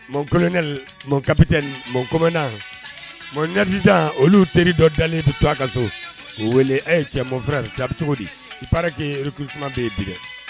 Mɔkolon mɔnkate mɔnkmna mɔndi olu teri dɔ dalen to a ka so o wele a ye cɛ mɔnf jaabi cogo di i fara kɛ kikuma bɛ bi dɛ